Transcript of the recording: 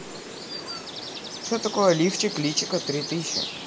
что такое лифчик личико три тысячи